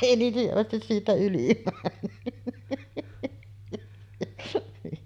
ei niin hyvästi siitä yli mennyt